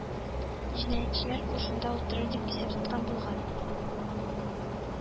Җинаятьчеләр ул шунда утырыр дип исәп тоткан булган